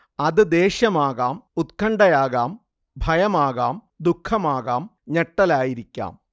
അത് ദേഷ്യമാകാം ഉത്കണ്ഠയാകാം ഭയമാകാം ദുഃഖമാകാം ഞെട്ടലായിരിക്കാം